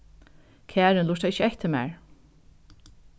karin lurtar ikki eftir mær